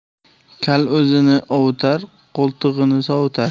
kal o'zini ovutar qo'ltig'ini sovutar